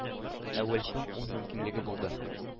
Ә уэльсның ун мөмкинлеге булды”.